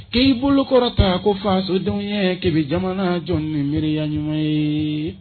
K'i bolokɔrɔta ko fadenw ke bɛ jamana jɔn ni miiriereya ɲuman ye